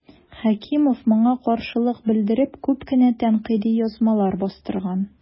Хәкимов моңа каршылык белдереп күп кенә тәнкыйди язмалар бастырган.